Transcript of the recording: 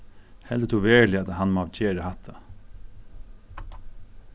heldur tú veruliga at hann má gera hatta